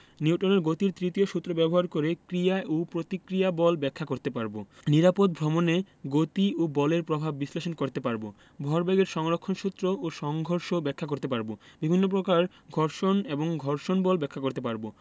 নিউটনের গতির তৃতীয় সূত্র ব্যবহার করে ক্রিয়া ও প্রতিক্রিয়া বল ব্যাখ্যা করতে পারব নিরাপদ ভ্রমণে গতি এবং বলের প্রভাব বিশ্লেষণ করতে পারব ভরবেগের সংরক্ষণ সূত্র ও সংঘর্ষ ব্যাখ্যা করতে পারব বিভিন্ন প্রকার ঘর্ষণ এবং ঘর্ষণ বল ব্যাখ্যা করতে পারব